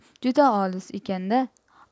juda olis ekan da